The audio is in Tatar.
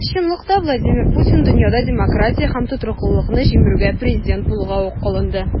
Чынлыкта Владимир Путин дөньяда демократия һәм тотрыклылыкны җимерүгә президент булуга ук алынды.